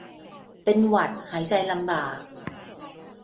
เป็นหวัดหายใจลำบาก